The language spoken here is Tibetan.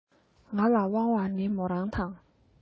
ང ལ དབང བ ནི མོ རང དང